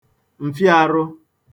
m̀fịaārụ̄